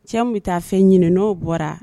Cɛ mun bɛ taa fɛn ɲinni n'o bɔra